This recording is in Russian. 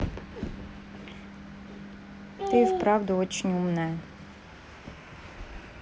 ты и вправду очень умная